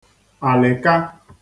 alị̀ka